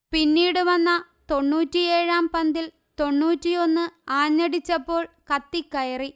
പിന്നീടു വന്ന തൊണ്ണൂറ്റിയേഴാം പന്തിൽ തൊണ്ണൂറ്റിയൊന്ന് ആഞ്ഞടിച്ചപ്പോൾ കത്തിക്കയറി